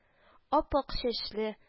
Ап-ак чәчле